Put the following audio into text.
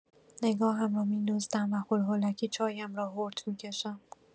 نگاهم را می‌دزدم و هول‌هولکی چایم را هورت می‌کشم.